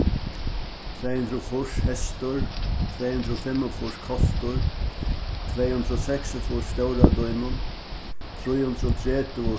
tvey hundrað og fýrs hestur tvey hundrað og fimmogfýrs koltur tvey hundrað og seksogfýrs stóra dímun trý hundrað og tretivu